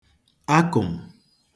akụm